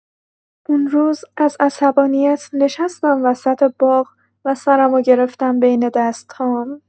اون روز از عصبانیت نشستم وسط باغ و سرمو گرفتم بین دست‌هام.